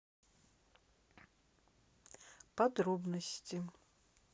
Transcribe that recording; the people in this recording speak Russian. подробности